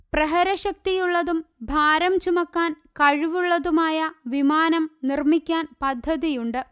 പ്രഹരശക്തിയുള്ളതും ഭാരം ചുമക്കാൻകഴിവുള്ളതുമായ വിമാനം നിർമ്മിക്കാൻ പദ്ധതിയുണ്ട്